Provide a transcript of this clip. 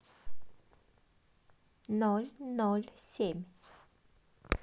ноль ноль семь